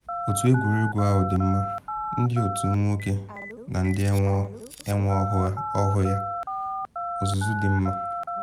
Otu egwuregwu ahụ dị mma, ndị otu m nwoke na enwe ọhụụ ya; ọzụzụ dị mma.